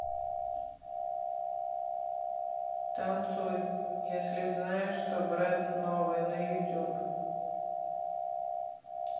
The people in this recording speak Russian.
танцуй если знаешь что бренд новый на youtube